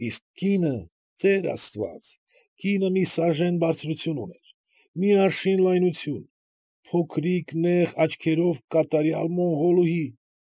Իսկ կինը, տեր աստված, կինը մի սաժեն բարձրություն ուներ, մի արշին լայնություն, փոքրիկ նեղ աչքերով, կատարյալ մոնղոլուհի։